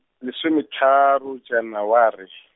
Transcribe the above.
lesometharo Janaware .